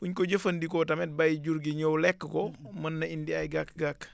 buén ko jëfandikoo tamit bàyyi jur gi ñëw lekk ko mën na indi ay gàkk-gàkk